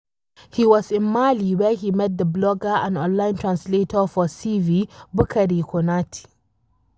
He was in Mali where he met the blogger and online translator for GV, Boukary Konaté.